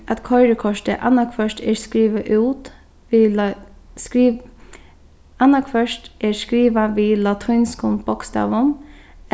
at koyrikortið annaðhvørt er skrivað út annaðhvørt er skrivað við latínskum bókstavum